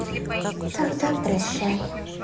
тогда прощай